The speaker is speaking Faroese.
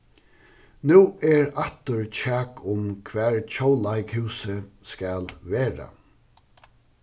nú er aftur kjak um hvar tjóðleikhúsið skal verða